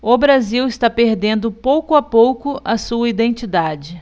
o brasil está perdendo pouco a pouco a sua identidade